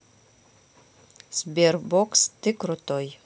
sberbox ты крутой